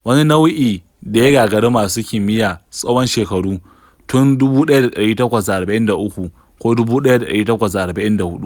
Wani nau'i da ya gagari masu kimiyya tsawon shekaru, tun 1843 ko 1844.